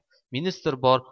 ministr bor